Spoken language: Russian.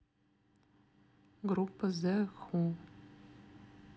группа зе ху